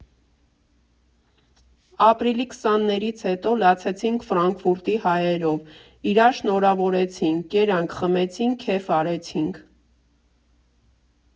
Ապրիլի քսաներեքից հետո լացեցինք Ֆրանկֆուրտի հայերով, իրար շնորհավորեցինք, կերանք֊խմեցինք֊քեֆ արեցինք։